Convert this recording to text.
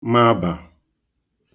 mànye